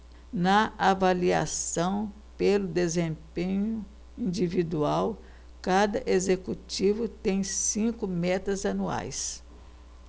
na avaliação pelo desempenho individual cada executivo tem cinco metas anuais